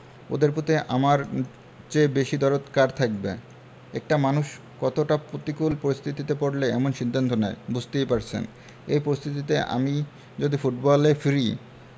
ওদের প্রতি আমার চেয়ে বেশি দরদ কার থাকবে একটা মানুষ কতটা প্রতিকূল পরিস্থিতিতে পড়লে এমন সিদ্ধান্ত নেয় বুঝতেই পারছেন এই পরিস্থিতিতে আমি যদি ফুটবলে ফিরি